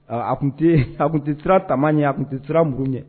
Ɔ a tun tɛ a tun tɛ siran tama ɲɛ, a tun tɛ siran muru ɲɛ